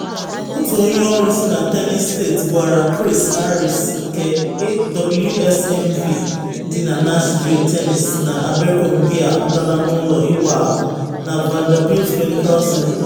Otu onye ọrụ si na Tennessee State gwara Chris Harris nke WSMV dị na Nashville, Tennessee, na Abercrombie apụtala n’ụlọ ịwa ahụ na Vanderbilt Medical Center.